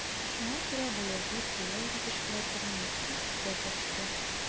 Шуңа күрә Баязит буяу җитештерә торган махсус цех ачты.